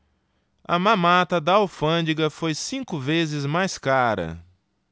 a mamata da alfândega foi cinco vezes mais cara